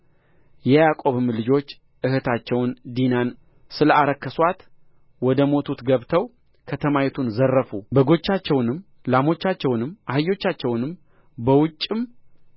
የያዕቆብም ልጆች እኅታቸውን ዲናን ሰለ አረከሱአት ወደ ሞቱት ገብተው ከተማይቱን ዘረፉ በጎቻቸውንም ላሞቻቸውንም አህዮቻቸውንም በውጭም